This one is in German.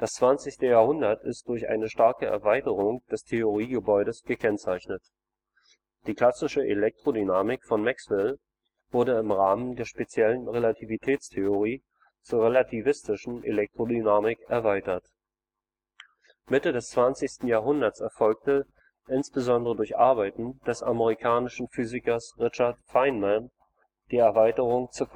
20. Jahrhundert ist durch eine starke Erweiterung des Theoriegebäudes gekennzeichnet. Die klassische Elektrodynamik von Maxwell wurde im Rahmen der speziellen Relativitätstheorie zur relativistischen Elektrodynamik erweitert. Mitte des 20. Jahrhunderts erfolgte, insbesondere durch Arbeiten des amerikanischen Physikers Richard Feynman, die Erweiterung zu